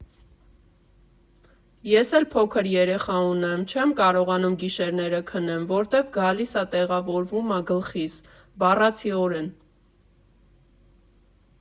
Ես էլ փոքր երեխա ունեմ, չեմ կարողանում գիշերները քնեմ, որտև գալիս ա տեղավորվում ա գլխիս, բառացիորեն։